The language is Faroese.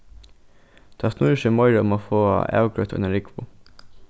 tað snýr seg meira um at fáa avgreitt eina rúgvu